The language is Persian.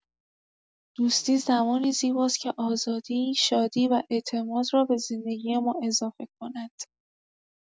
دوستی زمانی زیباست که آزادی، شادی و اعتماد را به زندگی ما اضافه کند.